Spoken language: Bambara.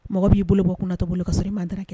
Mɔgɔ b'i bolo bɔ kunatɔ bolo kasɔrɔ i m'a ndara